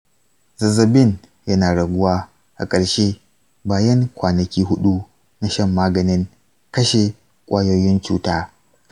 zazzabin yana raguwa a ƙarshe bayan kwanaki huɗu na shan maganin kashe ƙwayoyin cuta.